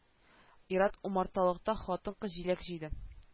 Ир-ат умарталыкта хатын-кыз җиләк җыйды